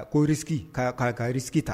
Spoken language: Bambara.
Koori k'' karisigi ta